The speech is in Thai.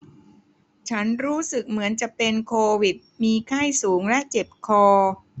ฉันรู้สึกเหมือนจะเป็นโควิดมีไข้สูงและเจ็บคอ